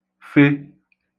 fe